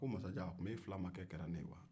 a ko masajan o tuma e filamakɛ kɛra ne ye wa